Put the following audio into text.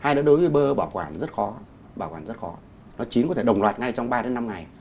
hai nữa đối với bơ bảo quản rất khó bảo quản rất khó nó chín có thể đồng loạt ngay trong ba đến năm ngày